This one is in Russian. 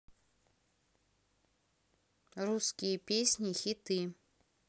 русские песни хиты